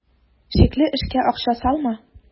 Шикле эшкә акча салма.